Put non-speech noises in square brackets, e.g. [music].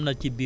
[hesitation] [hesitation]